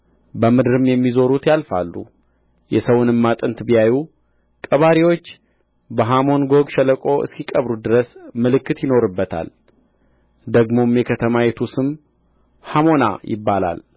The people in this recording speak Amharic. በምድርም የሚዞሩት ያልፋሉ የሰውንም አጥንት ቢያዩ ቀባሪዎች በሐሞን ጎግ ሸለቆ እስኪቀብሩት ድረስ ምልክት ያኖሩበታል ደግሞም የከተማይቱ ስም ሐሞና ይባላል